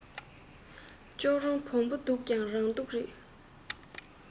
ལྕོག རོང བོང བུ སྡུག ཀྱང རང སྡུག རེད